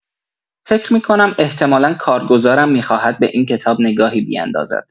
فکر می‌کنم احتملا کارگزارم می‌خواهد به این کتاب نگاهی بیندازد.